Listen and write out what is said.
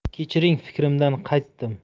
kechiring fikrimdan qaytdim